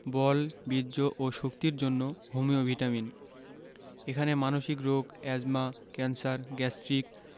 বল বীর্য ও শক্তির জন্য হোমিও ভিটামিন এখানে মানসিক রোগ এ্যজমা ক্যান্সার গ্যাস্ট্রিক